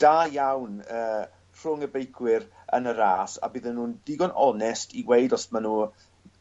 da iawn yy rhwng y beicwyr yn y ras a bydden nw'n digon onest i gweud os ma' n'w